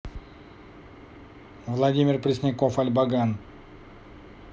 владимир пресняков альбаган